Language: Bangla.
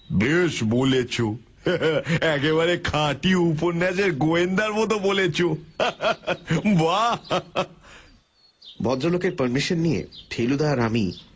একেবারে খাঁটি উপন্যাসের গোয়েন্দার মতো বলেছ বা ভদ্রলোকের পারমিশন নিয়ে ফেলুদা আর আমি